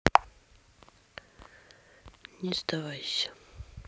не сдавайся